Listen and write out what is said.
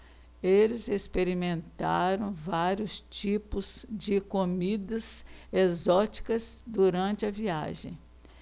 eles experimentaram vários tipos de comidas exóticas durante a viagem